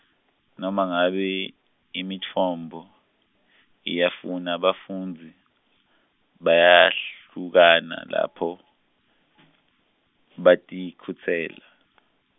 noma ngabe imitfombo, iyafuna bafundzisi , bayehlukana lapho , batikhetsela.